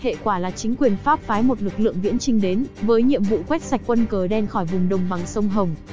hệ quả là chính quyền pháp phái một lực lượng viễn chinh đến với nhiệm vụ quét sạch quân cờ đen khỏi vùng đồng bằng sông hồng